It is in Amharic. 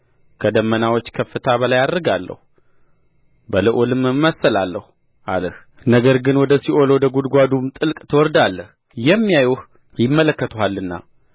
ከዳመናዎች ከፍታ በላይ ዐርጋለሁ በልዑልም እመሰላለሁ አልህ ነገር ግን ወደ ሲኦል ወደ ጕድጓዱም ጥልቅ ትወርዳለህ የሚያዩህ ይመለከቱሃልና